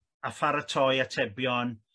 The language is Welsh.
a pharatoi atebion